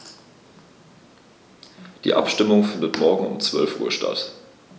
Die Abstimmung findet morgen um 12.00 Uhr statt.